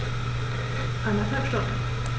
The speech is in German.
Eineinhalb Stunden